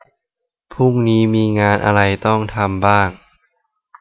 พรุ่งนี้มีงานอะไรต้องทำบ้าง